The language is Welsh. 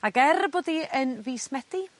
ag er bod 'i yn fis Medi